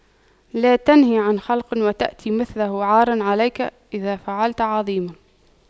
لا تنه عن خلق وتأتي مثله عار عليك إذا فعلت عظيم